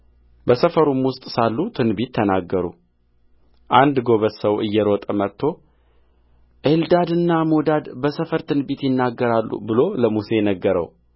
በሰፈሩም ውስጥ ሳሉ ትንቢት ተናገሩአንድ ጐበዝ ሰው እየሮጠ መጥቶ ኤልዳድና ሞዳድ በሰፈር ትንቢት ይናገራሉ ብሎ ለሙሴ ነገረው